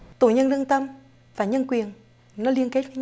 tù nhân lương tâm và nhân quyền liên kết